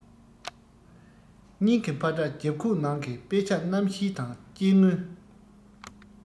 སྙིང གི འཕར སྒྲ རྒྱབ ཁུག ནང གི དཔེ ཆ གནམ གཤིས དང སྐྱེ དངོས